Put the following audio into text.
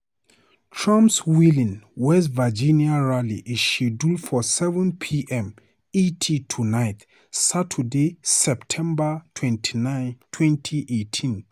Trump's Wheeling, West Virginia rally is scheduled for 7 p.m. ET tonight, Saturday, September 29, 2018.